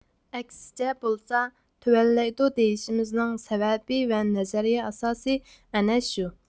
ئەكسىچە بولسا تۆۋەنلەيدۇ دېيىشىمىزنىڭ سەۋەبى ۋە نەزەرىيە ئاساسىي ئەنە شۇ